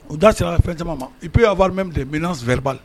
U da sera fɛn caman ma i ppi'a waririme ten minɛn s wɛrɛririba la